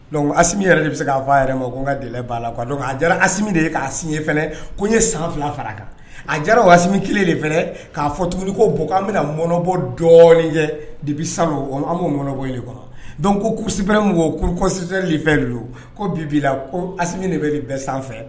Dɔnku asi yɛrɛ de bɛ se'a fɔ a yɛrɛ ma ko n ka gɛlɛn b' la dɔn a jara a de ye a si ye ko n ye san fila fara kan a jara o asimi kelen de fɛ k'a fɔ tugun ko bɔ k'an bɛna mɔnɔbɔ dɔɔnin de bɛ sanu o an'ɔnɔbɔ de kɔnɔ dɔnku ko kuusibrɛ mɔgɔ kusipli fɛ ko bi' la ko asi de bɛ bɛɛ sanfɛ